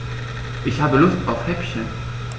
Ich habe Lust auf Häppchen.